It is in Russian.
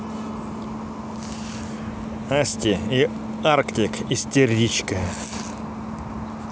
асти и артик истеричка